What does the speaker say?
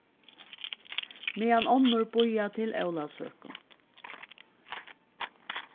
meðan onnur bíða til ólavsøku